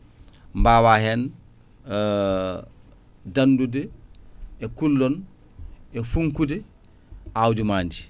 mbawa hen dandude e kullon e funkkude awdi ma ndi